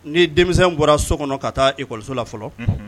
Ni denmisɛn bɔra so kɔnɔ ka taa ikɔso la fɔlɔ